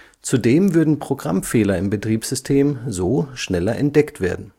Zudem würden Programmfehler im Betriebssystem so schneller entdeckt werden